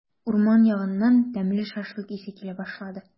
Урман ягыннан тәмле шашлык исе килә башлады.